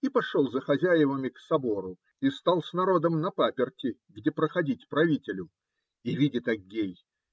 И пошел за хозяевами к собору и стал с народом на паперти, где проходить правителю. И видит Аггей